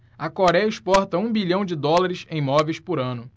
a coréia exporta um bilhão de dólares em móveis por ano